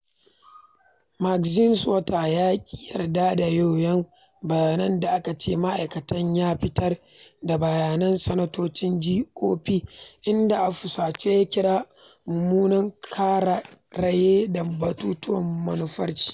Maxine Waters ya ƙi yarda da yoyon bayanin da ake cewa ma'aikacinta ya fitar da bayanan sanatocin GOP, inda a fusace ya kira 'munanan ƙarerayi' da 'batutuwan munafurci'